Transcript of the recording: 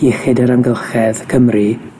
iechyd yr amgylchedd Cymru